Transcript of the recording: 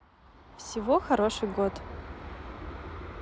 всего хороший год